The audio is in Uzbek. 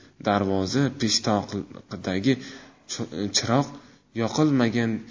darvoza peshtoqidagi chiroq yoqilmagan